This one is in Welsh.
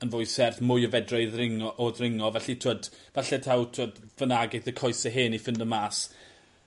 yn fwy serth mwy o fedre i ddringo o ddringo felly t'wod falle taw t'wod fan 'na geith y coese hen 'u ffindo mas.